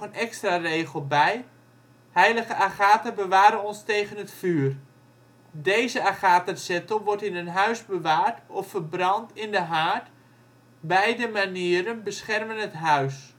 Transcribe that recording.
extra regel bij: " Heilige Agatha, beware ons tegen het Vuur. ". Deze Agathazettel wordt in het huis bewaard of verbrand in de haard, beide manieren beschermen het huis